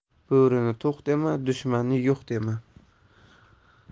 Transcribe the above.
bo'rini to'q dema dushmanni yo'q dema